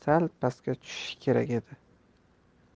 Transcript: sal pastga tushishi kerak edi